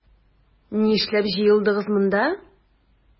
Нишләп җыелдыгыз монда?